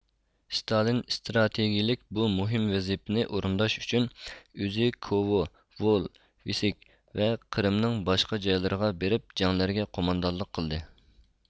ستالىن ئىستراتېگىيىلىك بۇ مۇھىم ۋەزىپىنى ئورۇنداش ئۈچۈن ئۆزى كوۋو ۋول ۋىسك ۋە قىرىمنىڭ باشقا جايلىرىغا بېرىپ جەڭلەرگە قوماندانلىق قىلدى